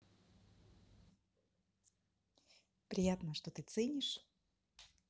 приятно что ты ценишь